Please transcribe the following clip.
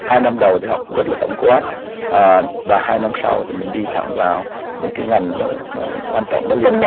hai năm đầu đại học rất tổng quát và và hai năm sau thì mình đi thẳng vào những hình ảnh nó quan trọng liên